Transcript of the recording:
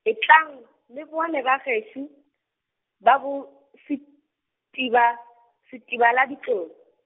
etlang, le bone bagešo, ba bo setsiba, Setibeladitlou.